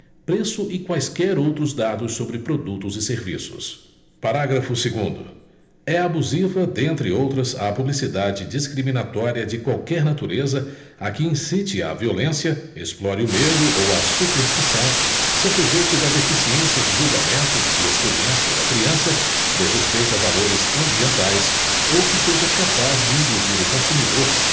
preço e quaisquer outros dados sobre produtos e serviços parágrafo segundo é abusiva dentre outras a publicidade discriminatória de qualquer natureza a que incite à violência explore o medo ou a superstição se aproveite da deficiência de julgamento e experiência da criança desrespeita valores ambientais ou que seja capaz de induzir o consumidor